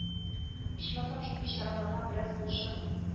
Ичмасам шул бичараларга бераз булышырмын